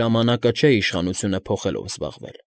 ժամանակը չէ իշխանությունը փոխելով զբաղվել։